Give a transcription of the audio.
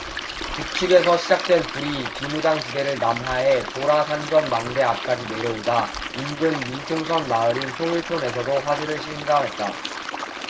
북측에서 시작된 불이 비무장지대를 남하해 도라산전망대 앞까지 내려오자 인근 민통선마을인 통일촌에서도 화재를 실감했다